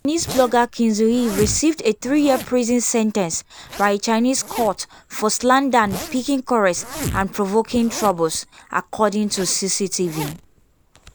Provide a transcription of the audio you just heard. Chinese blogger Qin Zhihui received a three-year prison sentence by a Chinese court for “slander” and “picking quarrels and provoking troubles,” according to CCTV.